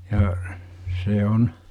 ja se on